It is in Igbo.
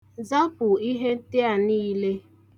Zapụ ihe ndị a niile.